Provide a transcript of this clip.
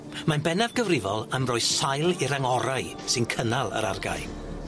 Mae'n bennaf gyfrifol am roi sail i'r angorau sy'n cynnal yr argae.